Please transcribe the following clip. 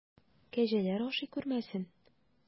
Кәҗәләр ашый күрмәсен!